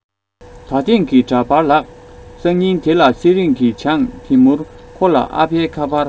ད ཐེངས ཀྱི འདྲ པར གྱི ལག སང ཉིན དེ ལ ཚེ རིང གི བྱང དེ མྱུར ཁོ ལ ཨ ཕའི ཁ པར